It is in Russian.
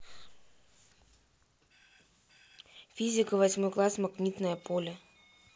физика восьмой класс магнитная поля